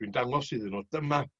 dwi'n dangos iddyn n'w dyma